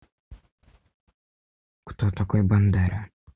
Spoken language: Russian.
кто такой бандера